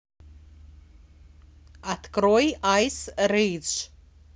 открой айс рейдж